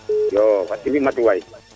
iyo fat i mbi matuwaay